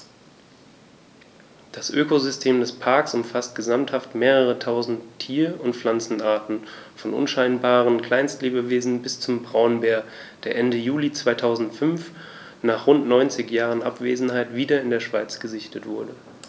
Das Ökosystem des Parks umfasst gesamthaft mehrere tausend Tier- und Pflanzenarten, von unscheinbaren Kleinstlebewesen bis zum Braunbär, der Ende Juli 2005, nach rund 90 Jahren Abwesenheit, wieder in der Schweiz gesichtet wurde.